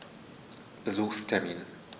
Besuchstermin